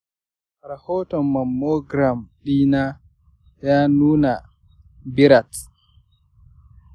rahoton mammogram dina ya nuna birads 4.